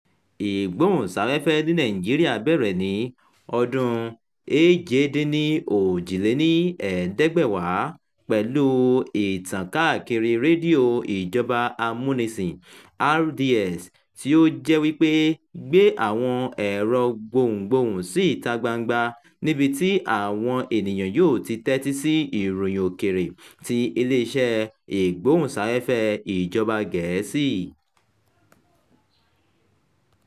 Ìgbóhùnsáfẹ́fẹ́ ní Nàìjíríà bẹ̀rẹ̀ ní ọdún-un 1933 pẹ̀lú Ìtàn káàkiri Rédíò Ìjọba Amúnisìn (RDS), tí ó jẹ́ wípé gbé àwọn ẹ̀rọ-gbohùngbohùn sí ìta gbangba níbi tí àwọn ènìyàn yóò ti tẹ́tí sí ìròyìn òkèèrè ti Iléeṣẹ́ Ìgbóhùnsáfẹ́fẹ́ Ìjọba Gẹ̀ẹ́sì.